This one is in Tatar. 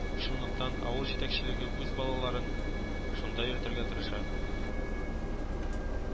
Шунлыктан авыл җитәкчелеге үз балаларын шунда йөртергә тырыша